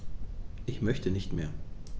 Ich möchte nicht mehr.